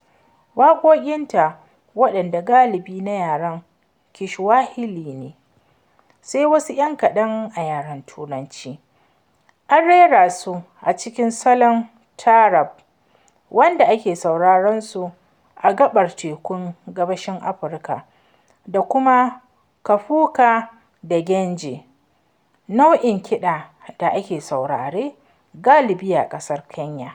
Waƙoƙinta waɗanda galibi na yaren Kiswahili ne, sai wasu 'yan kaɗan a yaren Turanci, an rera su a cikin salon Taarab, wanda ake sauraron su a Gaɓar Tekun Gabashin Afirka da kuma Kapuka da Genge, nau'in kiɗa da ake saurare galibi a ƙasar Kenya.